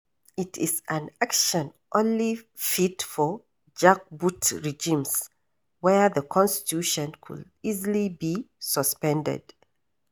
It is an action only fit for jackboot regimes, where the constitution could easily be suspended...